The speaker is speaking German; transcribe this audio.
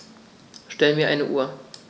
Stell mir eine Uhr.